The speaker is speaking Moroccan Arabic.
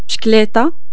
بشكليطة